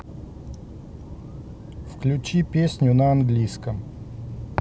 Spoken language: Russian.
включи песню на английском